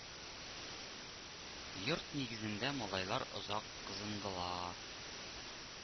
Йорт нигезендә малайлар озак кызындылаар